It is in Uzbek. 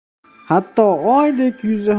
hatto oydek yuzi